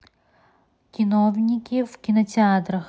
киноновинки в кинотеатрах